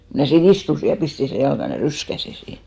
kun minä siinä istuin ja pistin sen jalkani ja ryskäsin siinä